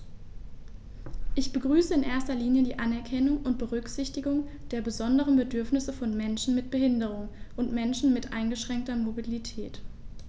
Ich begrüße in erster Linie die Anerkennung und Berücksichtigung der besonderen Bedürfnisse von Menschen mit Behinderung und Menschen mit eingeschränkter Mobilität.